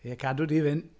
Ie, cadw di fynd.